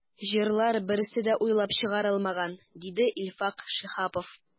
“җырлар берсе дә уйлап чыгарылмаган”, диде илфак шиһапов.